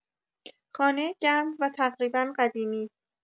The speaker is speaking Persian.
خانه گرم و تقریبا قدیمی